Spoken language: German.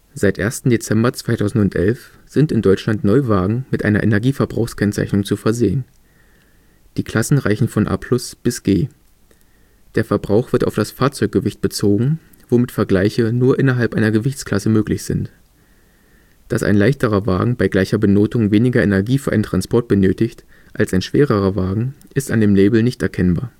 1. Dezember 2011 sind in Deutschland Neuwagen mit einer Energieverbrauchskennzeichnung zu versehen. Die Klassen reichen von A+ bis G. Der Verbrauch wird auf das Fahrzeuggewicht bezogen, womit Vergleiche nur innerhalb einer Gewichts-Klasse möglich sind. Dass ein leichterer Wagen bei gleicher Benotung weniger Energie für einen Transport benötigt als ein schwererer Wagen, ist an dem Label nicht erkennbar